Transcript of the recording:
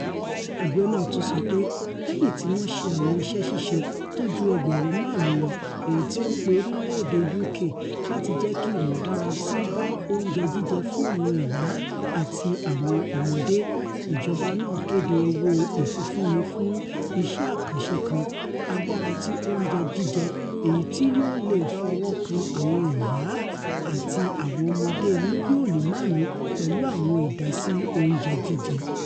Ẹgbẹ́ náà tún sọ pé lẹ́yìn tí wọn ṣe àwọn iṣẹ́ ṣíṣe to ju ẹgbẹ̀rúnn máàrún lọ èyití ó ńpè orílẹ̀-èdè U.K. láti jẹ́kí ìmúdárasíi bá oúnjẹ jíjẹ fún àwọn ìyá àti àwọn ọmọdé, ìjọba náà kédé owó ìfifúnni fún iṣẹ́ àkànṣe kan, Agbára ti Oúnjẹ Jíjẹ, èyití yóò leè fọwọ́kan àwọn ìyá àti àwọn ọmọdé mílíọ̀nù máàrún pẹ̀lú àwọn ìdásí oúnjẹ jíjẹ.